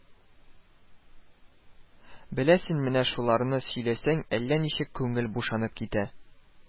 Беләсең, менә шуларны сөйләсәң, әллә ничек күңел бушанып китә